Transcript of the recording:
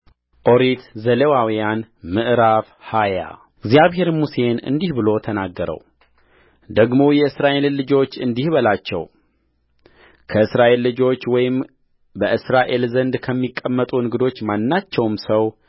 ኦሪት ዘሌዋውያን ምዕራፍ ሃያ እግዚአብሔርም ሙሴን እንዲህ ብሎ ተናገረውደግሞ የእስራኤልን ልጆች እንዲህ በላቸው ከእስራኤል ልጆች ወይም በእስራኤል ዘንድ ከሚቀመጡ እንግዶች ማናቸውም ሰው